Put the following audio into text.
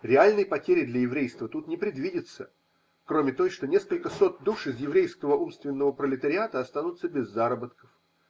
Реальной потери для еврейства тут не предвидится, кроме той, что несколько сот душ из еврейского умственного пролетариата останутся без заработков.